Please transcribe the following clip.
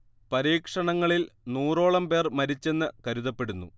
പരീക്ഷണങ്ങളിൽ നൂറോളം പേർ മരിച്ചെന്ന് കരുതപ്പെടുന്നു